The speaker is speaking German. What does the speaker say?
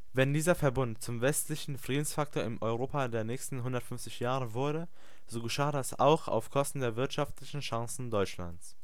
Wenn dieser Verbund zum wesentlichen Friedensfaktor im Europa der nächsten 150 Jahre wurde, so geschah das auch auf Kosten der wirtschaftlichen Chancen Deutschlands